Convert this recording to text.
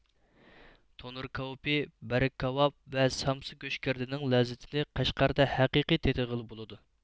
تونۇر كاۋىپى بەرگ كاۋاپ ۋە سامسا گۆشگىردىنىڭ لەززىتىنى قەشقەردە ھەقىقىي تېتىغىلى بولىدۇ